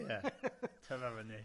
Ie, tyfa fyny.